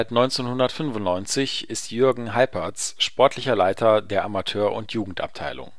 1995 ist Jürgen Heipertz sportlicher Leiter der Amateur - und Jugendabteilung